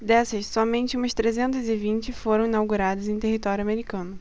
dessas somente umas trezentas e vinte foram inauguradas em território americano